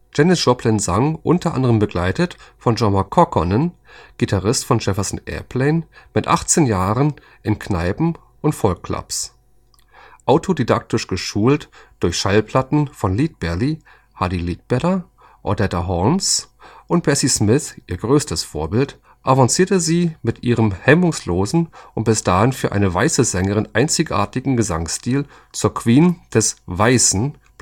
Janis Joplin sang, unter anderem begleitet von Jorma Kaukonen (Gitarrist von Jefferson Airplane), mit 18 Jahren in Kneipen und Folk-Clubs. Autodidaktisch geschult durch Schallplatten von Leadbelly (Huddie Ledbetter), Odetta Holmes und Bessie Smith (ihr größtes Vorbild), avancierte sie mit ihrem hemmungslosen, bis dahin für eine weiße Sängerin einzigartigen Gesangsstil, zur „ Queen des (weißen) Bluesrock